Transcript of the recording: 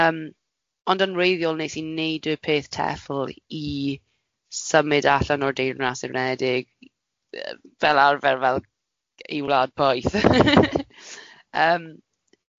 yym ond yn wreiddiol wnes i wneud y peth teffyl i symud allan o'r Deyrnas Unedig yy fel arfer fel i wlad poeth. yym